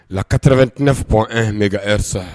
89 point 1 megahertz